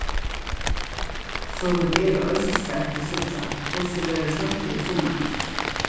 so vit eru eisini spent at síggja hvussu verður seinni í summar